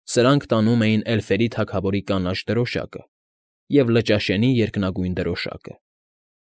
Սրանք տանում էին էլֆերի թագավորի կանաչ դրոշակը և Լճաշենի երկնագույն դրոշակը։